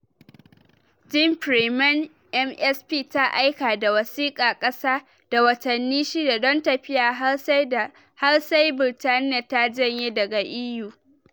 Jeane Freeman MSP ta aika da wasika kasa da watanni shida don tafiya har sai Birtaniya ta janye daga EU.